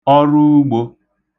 ọruugbō